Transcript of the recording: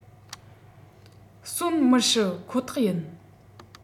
གསོན མི སྲིད ཁོ ཐག ཡིན